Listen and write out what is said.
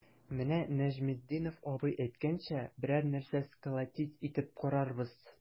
Менә Нәҗметдинов абый әйткәнчә, берәр нәрсә сколотить итеп карарбыз.